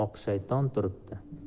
oq shayton turibdi